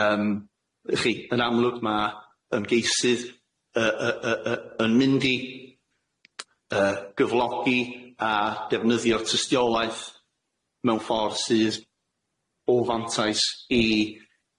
Yym w'ch chi yn amlwg ma' ymgeisydd yy yy yy yy yn mynd i yy gyflogi a defnyddio tystiolaeth mewn ffor sydd o fantais i